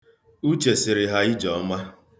Uche sịrị ha ijeọma.